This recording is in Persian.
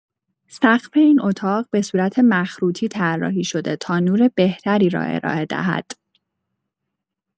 سقف این اتاق به صورت مخروطی طراحی شده تا نور بهتری را ارائه دهد.